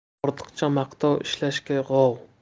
ortiqcha maqtov ishlashga g'ov